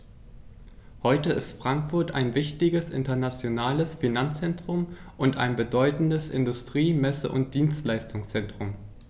Heute ist Frankfurt ein wichtiges, internationales Finanzzentrum und ein bedeutendes Industrie-, Messe- und Dienstleistungszentrum.